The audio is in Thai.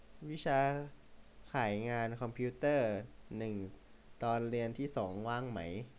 วิชาข่ายงานคอมพิวเตอร์หนึ่งตอนเรียนที่สองว่างไหม